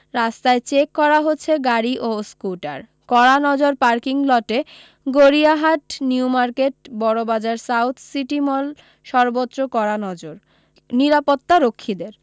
রাস্তায় চেক করা হচ্ছে গাড়ী ও স্কুটার কড়া নজর পার্কিং লটে Gariahat New Market Bara Bazar South City Mall সর্বত্র কড়া নজর নিরাপত্তারক্ষীদের